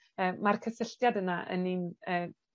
yy ma'r cysylltiad yna yn un yy